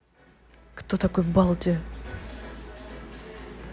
кто такой балди